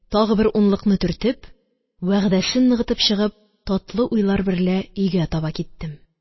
Тагы бер унлыкны төртеп, вәгъдәсен ныгытып чыгып, татлы уйлар берлә өйгә таба киттем